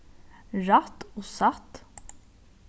rætt og satt